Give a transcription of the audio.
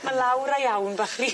Ma' lawr a iawn bach ry...